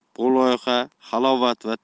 bu loyiha halovat va